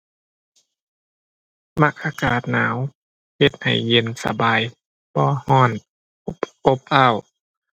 มักอากาศหนาว เฮ็ดให้เย็นสบาย บ่ร้อนอบอ้าว